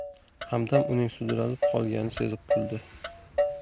hamdam uning sudralib qolganini sezib kuldi